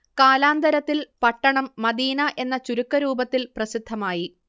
കാലാന്തരത്തിൽ പട്ടണം മദീന എന്ന ചുരുക്കരൂപത്തിൽ പ്രസിദ്ധമായി